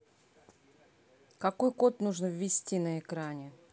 какой код нужно ввести на экране